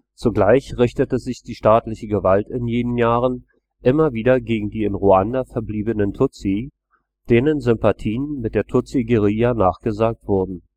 Zugleich richtete sich die staatliche Gewalt in jenen Jahren immer wieder gegen die in Ruanda verbliebenen Tutsi, denen Sympathien mit der Tutsi-Guerilla nachgesagt wurden